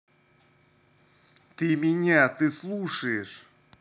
ты меня ты слушаешь